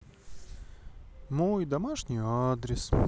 мой домашний адрес